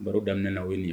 Baro daminɛminɛna wele ye